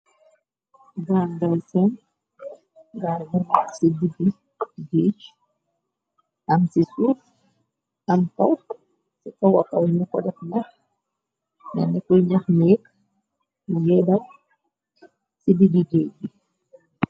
Gal ngay seen , gal bu mag ci diggi géec , am ci suuf , am kaw . Ci kawa kaw nu ko def nax, nenekuyi ñax néek, mu ngee daaw ci digi géej bi.